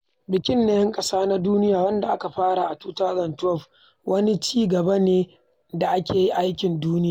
Bikin na 'Yan Ƙasa na Duniya, wanda aka fara a 2012, wani ci gaba ne da Aikin Duniya a kan Talauci, wani gungun ƙasa-da-ƙasa da ke fatan kawo ƙarshen talauci ta ara yawan mutane da ke yaƙi sosai a kansa.